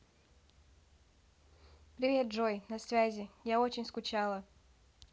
привет джой на связи я очень скучала